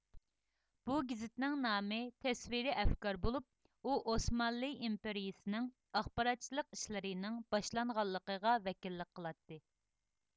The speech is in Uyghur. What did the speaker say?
بۇ گېزىتنىڭ نامى تەسۋىرىي ئەفكار بولۇپ ئۇ ئوسمانلى ئىمپېرىيىسىنىڭ ئاخباراتچىلىق ئىشلىرىنىڭ باشلانغانلىقىغا ۋەكىللىك قىلاتتى